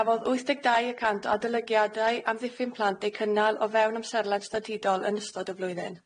Cafodd wyth deg dau y cant o adolygiadau amddiffyn plant eu cynnal o fewn amserledd statudol yn ystod y flwyddyn.